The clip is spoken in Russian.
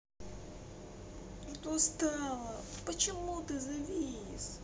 что стало почему ты завис